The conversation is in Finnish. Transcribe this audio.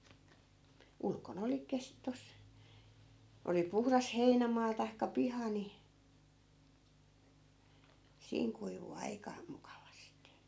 ulkona oli - tuossa oli puhdas heinämaa tai piha niin siinä kuivui aika mukavasti